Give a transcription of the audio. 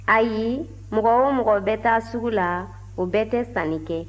ayi mɔgɔ o mɔgɔ bɛ taa sugu la o bɛɛ tɛ sanni kɛ